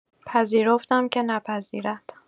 پذیرفتم که نپذیرد.